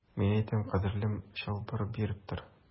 Мин әйтәм, кадерлем, чалбар биреп тор.